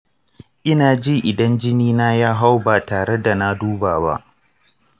ina ji idan jini na ya hau ba tare da na duba ba.